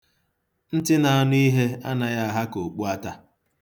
Ntị na-anụ ihe anaghị aha ka okpu ata.